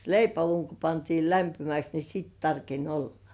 leipäuuni kun pantiin lämpimäksi niin sitten tarkeni olla